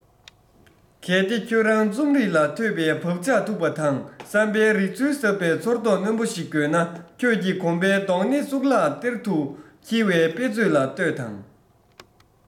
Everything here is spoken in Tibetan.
གལ ཏེ ཁྱོད རང རྩོམ རིག ལ ཐོས པའི བག ཆགས འཐུག པ དང བསམ པའི རིག ཚུལ ཟབ པའི ཚོར རྟོག རྣོན པོ ཞིག དགོས ན ཁྱོད ཀྱི གོམ པའི རྡོག སྣེ གཙུག ལག གཏེར དུ འཁྱིལ པའི དཔེ མཛོད ལ གཏོད དང